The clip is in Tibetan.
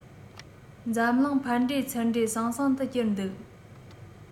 འཛམ གླིང ཕར འགྲེ ཚུར འགྲེ ཟང ཟིང དུ གྱུར འདུག